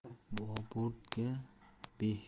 beburdga behisht yo'q